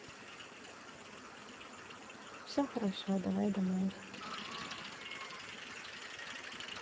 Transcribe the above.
все хорошо давай домой